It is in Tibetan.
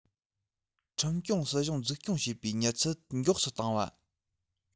ཁྲིམས སྐྱོང སྲིད གཞུང འཛུགས སྐྱོང བྱེད པའི མྱུར ཚད མགྱོགས སུ བཏང བ